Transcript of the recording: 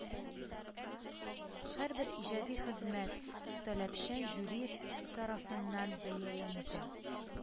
Һәрбер иҗади хезмәт таләпчән жюри тарафыннан бәяләнде